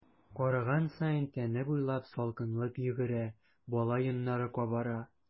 Караган саен тәне буйлап салкынлык йөгерә, бала йоннары кабара.